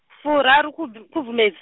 furaru khubv- Khubvumedzi.